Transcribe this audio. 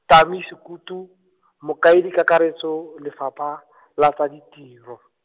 Tami Sokutu, mokaedi kakaretso, Lefapha, la tsa Ditiro.